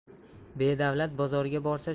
bedavlat bozorga borsa